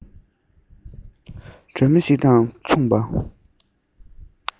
སྒྲོན མེ ཞིག དང མཚུངས པ